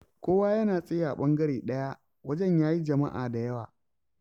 Kowa yana tsaye a ɓangare ɗaya wajen ya yi jama'a da yawa.